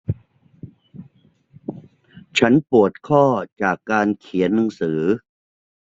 ฉันปวดข้อจากการเขียนหนังสือ